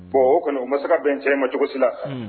Bon o kana o ma bɛn cɛ ma cogosi la